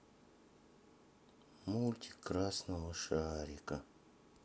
мультик красного шарика